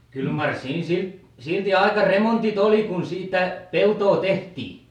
kyllä mar siinä sitten silti aika remontit oli kun siitä peltoon tehtiin